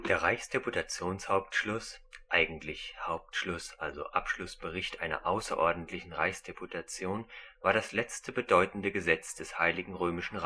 Reichsdeputationshauptschluss (eigentlich Hauptschluss (= Abschlussbericht) einer außerordentlichen Reichsdeputation) war das letzte bedeutende Gesetz des Heiligen Römischen